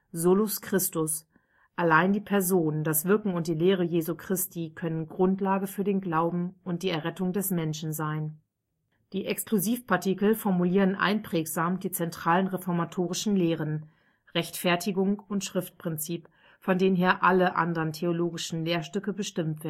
solus Christus: Allein die Person, das Wirken und die Lehre Jesu Christi können Grundlage für den Glauben und die Errettung des Menschen sein. Die Exklusivpartikel formulieren einprägsam die zentralen reformatorischen Lehren (Rechtfertigung und Schriftprinzip), von denen her alle anderen theologischen Lehrstücke bestimmt